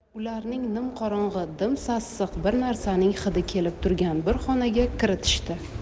ularni nimqorong'i dim sassiq bir narsaning hidi kelib turgan bir xonaga kiritishdi